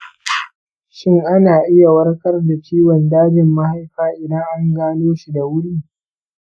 shin ana iya warkar da ciwon dajin mahaifa idan an gano shi da wuri?